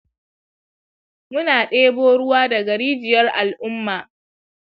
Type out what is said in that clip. muna ɗebo ruwa daga rijiyar al'umma.